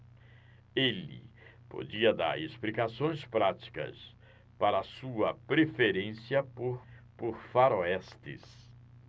ele podia dar explicações práticas para sua preferência por faroestes